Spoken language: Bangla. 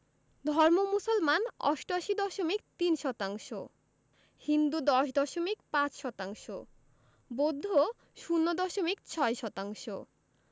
ধর্ম মুসলমান ৮৮দশমিক ৩ শতাংশ হিন্দু ১০দশমিক ৫ শতাংশ বৌদ্ধ ০ দশমিক ৬ শতাংশ